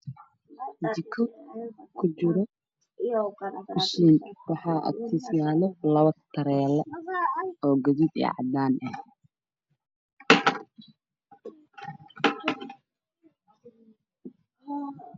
Waa caag madow ah oo iibyo ku jiraan waxaa hortiisa yaalo laba saddex leh